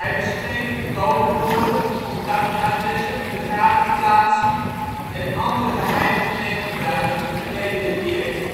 beschreef de codewoorden, contactadressen, vergaderplaatsen en andere geheime Klangebruiken gedetailleerd